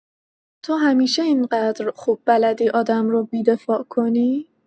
تو همیشه این‌قدر خوب بلدی آدم رو بی‌دفاع کنی؟